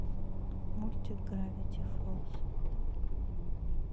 мультик гравити фолз